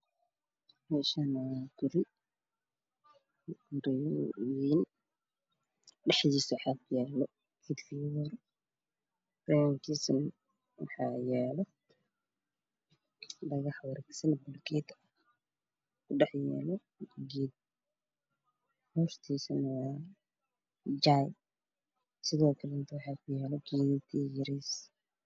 Meeshaani waa guri aad uwayn dhaxdiisa waxaa ku yaalo fidfiyoore banaankiisana waxaa yaalo dhagax wareegsan bulugeeti ku dhex yaalo geed hortiisana waa jaay sidoo kaleeta waxaa ku yaalo geedad yar yariis